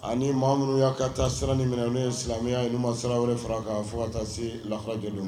Ani maa minnu y'a ka taa siranni minɛ n'u ye silamɛya ye n ma sira wɛrɛ fara k'a fɔ ka taa se lakɔ jeliw ma